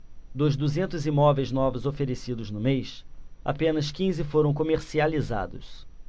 dos duzentos imóveis novos oferecidos no mês apenas quinze foram comercializados